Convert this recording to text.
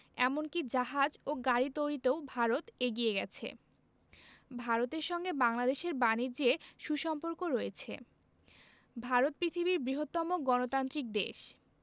এমন কি জাহাজ ও গাড়ি তৈরিতেও ভারত এগিয়ে গেছে ভারতের সঙ্গে বাংলাদেশের বানিজ্যে সু সম্পর্ক রয়েছে ভারত পৃথিবীর বৃহত্তম গণতান্ত্রিক দেশ